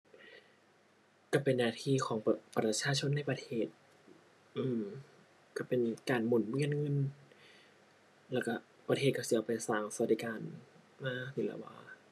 ก็เป็นหน้าที่ของประ ประชาชนในประเทศ อือ ก็เป็นการหมุนเวียนเงิน แล้วก็ประเทศก็สิเอาไปสร้างสวัสดิการมา